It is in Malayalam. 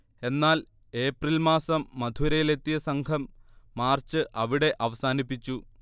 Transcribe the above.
എന്നാൽ, ഏപ്രിൽ മാസം മഥുരയിലത്തെിയ സംഘം മാർച്ച് അവിടെ അവസാനിപ്പിച്ചു